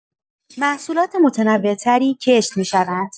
محصولات متنوع‌تری کشت می‌شوند.